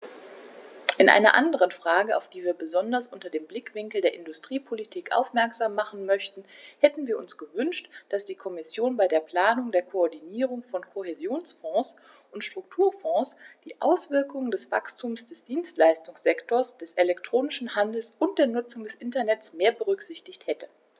In einer anderen Frage, auf die wir besonders unter dem Blickwinkel der Industriepolitik aufmerksam machen möchten, hätten wir uns gewünscht, dass die Kommission bei der Planung der Koordinierung von Kohäsionsfonds und Strukturfonds die Auswirkungen des Wachstums des Dienstleistungssektors, des elektronischen Handels und der Nutzung des Internets mehr berücksichtigt hätte.